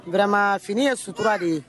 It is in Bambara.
Ura fini ye sutura de ye